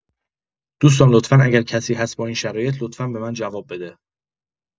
دوستان لطفا اگر کسی هست با این شرایط لطفا به من جواب بده